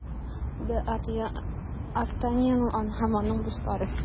Д’Артаньян һәм аның дуслары.